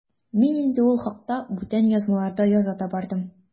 Мин инде ул хакта бүтән язмаларда яза да бардым.